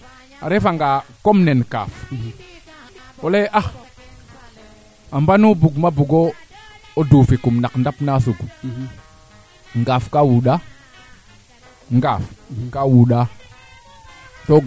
o tewo xemi leyne e ñaaw ke kaa sooga mbelaxa te leyne xa pelaxaxe moƴ mbaax reti naangi woqa teen mayu o gar felaxin o baxalin o njaxin anda ga'ano